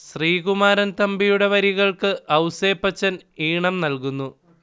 ശ്രീകുമാരൻ തമ്പിയുടെ വരികൾക്ക് ഔസേപ്പച്ചൻ ഈണം നൽകുന്നു